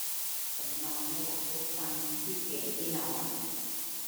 ฉันนอนไม่หลับทุกครั้งที่เปลี่ยนที่นอน